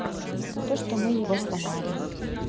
то что мы его сломали